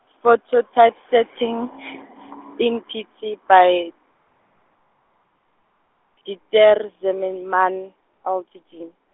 phototypesetting in P T by, Dieter Zimmermann L T D.